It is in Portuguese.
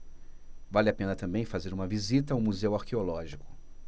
vale a pena também fazer uma visita ao museu arqueológico